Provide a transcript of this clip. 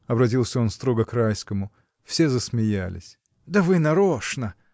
— обратился он строго к Райскому. Все засмеялись. — Да вы нарочно!